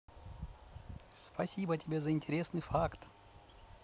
спасибо тебе за интересный факт